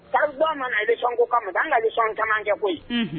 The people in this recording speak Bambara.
Fa ma ale sɔn ko kama ma anale sɔn caman kɛ koyi koyi